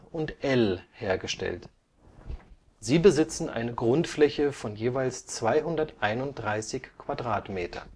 und L hergestellt. Sie besitzen eine Grundfläche von jeweils 231 m²